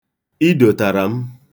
Ido tara m.